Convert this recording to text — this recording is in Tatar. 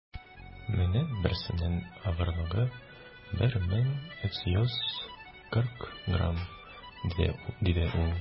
- менә берсенең авырлыгы 1340 грамм, - диде ул.